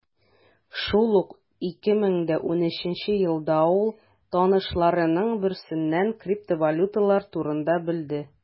Шул ук 2013 елда ул танышларының берсеннән криптовалюталар турында белде.